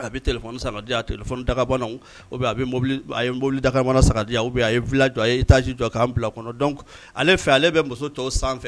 A be téléphone san k'a di yan téléphone dagabanaw ou bien a be mobili a ye mobili dagabana san k'a di yan ou bien a ye villa jɔ a ye étage jɔ k'an bila o kɔnɔ donc ale fɛ ale bɛ muso tɔw sanfɛ